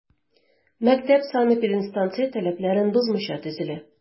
Мәктәп санэпидстанция таләпләрен бозмыйча төзелә.